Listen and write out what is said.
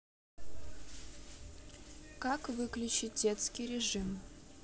как выключить детский режим